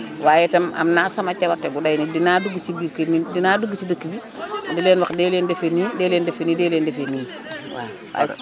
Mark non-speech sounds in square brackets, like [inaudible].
waye itam am naa sama cawarte bu doy ne dinaa dugg si biir kër yi [crosstalk] dinaa dugg ci dëkk bi [crosstalk] di leen wax dee leen defee nii dee leen defee nii dee leen defee nii [crosstalk] waaw